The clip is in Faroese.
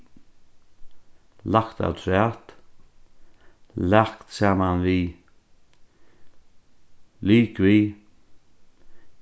lagt afturat lagt saman við ligvið